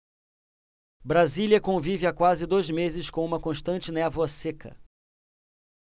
brasília convive há quase dois meses com uma constante névoa seca